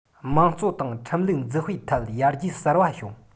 དམངས གཙོ དང ཁྲིམས ལུགས འཛུགས སྤེལ ཐད ཡར རྒྱས གསར པ བྱུང